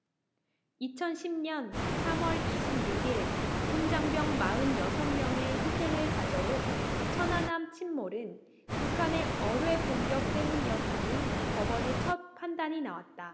이천 십 년 삼 월 이십 육 일 군 장병 마흔 여섯 명의 희생을 가져온 천안함 침몰은 북한의 어뢰 공격 때문이었다는 법원의 첫 판단이 나왔다